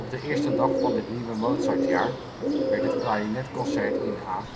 de eerste dag van dit nieuwe Mozart-jaar werd het Klarinetconcert in A